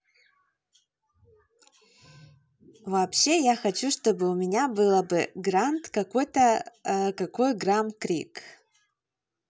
вообще я хочу чтобы у меня было бы grand какой то какой грамм крик